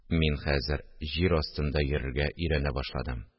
Мин хәзер җир астында йөрергә өйрәнә башладым